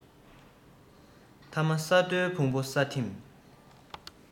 ཐ མ ས རྡོའི ཕུང པོ ས ཐིམ